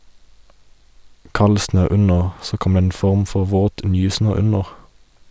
Kald snø under , så kom det en form for våt nysnø under.